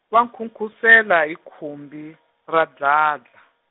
va nkhunkhusela hi khumbi, ra dladla.